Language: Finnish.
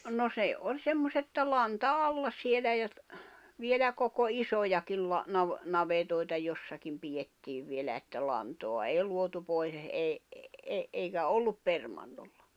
no se oli semmoiset että lanta alla siellä ja vielä koko isojakin -- navetoita jossakin pidettiin vielä että lantaa ei luotu pois - ei eikä ollut permannolla